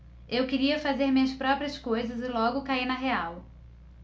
eu queria fazer minhas próprias coisas e logo caí na real